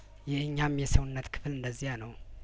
የእኛም የሰውነት ክፍል እንደዚያነው